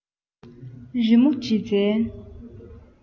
རི མོ འབྲི རྩལ